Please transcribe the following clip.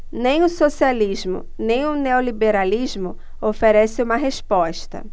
nem o socialismo nem o neoliberalismo oferecem uma resposta